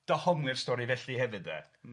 dyhongli'r stori felly hefyd, 'de?